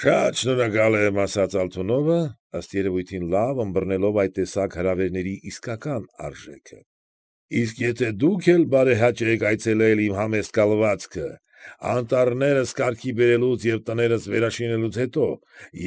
Շատ շնորհակալ եմ,֊ ասաց Ալթունսվը, ըստ երևույթին, լավ ընբռնելով այդ տեսակ հրավերների իսկական արժեքը։֊ Իսկ եթե դուք էլ բարեհաճեք այցելել իմ համեստ կալվածքը, անտառներս կարգի բերելուց և տներս վերաշինելուց հետո,